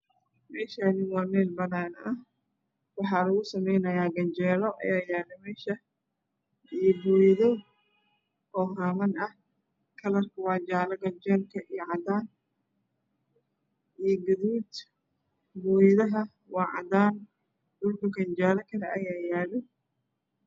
Meeshaan waa meel banaan ah waxaa lugu sameynayaa ganjeelo iyo booyado oo haaman ah. Kalarka ganjeelka waa jaalo iyo cadaan iyo gaduud. Booyadaha waa cadaan dhulkuna jaalo kale ayaa yaalo.